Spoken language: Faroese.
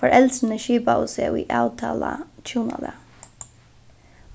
foreldrini skipaðu seg í avtalað hjúnalag